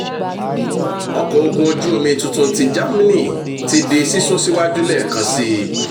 Ọkọ̀ ogun ojú omi tuntun ti Germany ti di sísún síwájú lẹ́ẹ̀kan síi